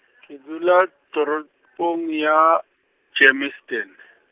ke dula toropong ya Germiston.